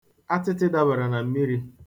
Atịtị dabara na mmiri.